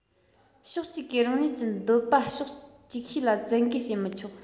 ཕྱོགས གཅིག གིས རང ཉིད ཀྱི འདོད པ ཕྱོགས ཅིག ཤོས ལ བཙན འགེལ བྱས མི ཆོག